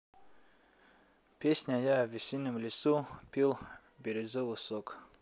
песня я в весеннем лесу пил березовый сок